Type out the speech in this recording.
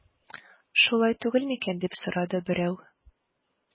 Шулай түгел микән дип сорады берәү.